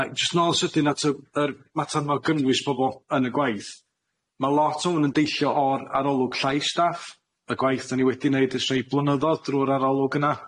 A jyst nôl sydyn at y yr mater 'ma o gynnwys pobol yn y gwaith, ma' lot o n'w yn deillio o'r arolwg llai staff y gwaith 'da ni wedi neud ers reit blynyddodd drw'r arolwg yna.